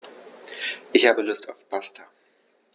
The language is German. Ich habe Lust auf Pasta.